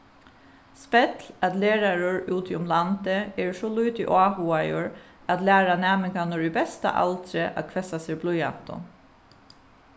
spell at lærarar úti um landið eru so lítið áhugaðir at læra næmingarnar í besta aldri at hvessa sær blýantin